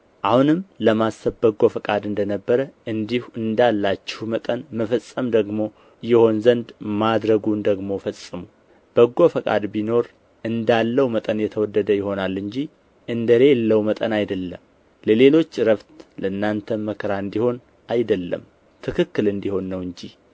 አሁንም ለማሰብ በጎ ፈቃድ እንደ ነበረ እንዲሁ እንዳላችሁ መጠን መፈጸም ደግሞ ይሆን ዘንድ ማድረጉን ደግሞ ፈጽሙ በጎ ፈቃድ ቢኖር እንዳለው መጠን የተወደደ ይሆናል እንጂ እንደሌለው መጠን አይደለም ለሌሎች ዕረፍት ለእናንተም መከራ እንዲሆን አይደለም ትክክል እንዲሆን ነው እንጂ